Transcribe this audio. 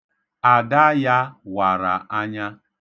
Ada ya wara anya.